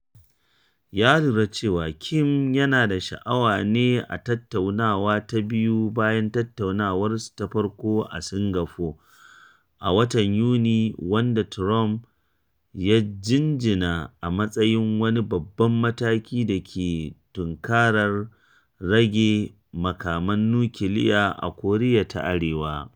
Ya lura cewa Kim yana da sha’awa ne a tattaunawa ta biyu bayan tattaunawarsu ta farko a Singapore a watan Yuni wanda Trump ya jinjina a matsayin wani babban mataki da ke tunkarar rage makaman nukiliya a Koriya ta Arewa.